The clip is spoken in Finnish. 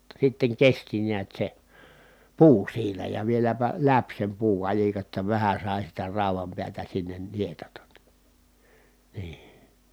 jotta sitten kesti näet se puu siinä ja vieläpä läpi sen puukalikan jotta vähän sai sitä raudan päätä sinne nietata niin niin